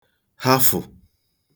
hafụ̀